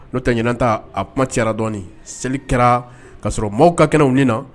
N'o tɛ ɲin ta a kuma cayara dɔɔnin seli kɛra ka sɔrɔ maaw ka kɛnɛw ni na